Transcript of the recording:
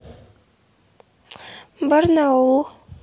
барнаул